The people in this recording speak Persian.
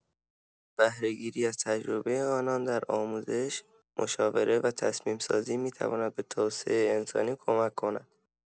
بهره‌گیری از تجربه آنان در آموزش، مشاوره و تصمیم‌سازی می‌تواند به توسعه انسانی کمک کند.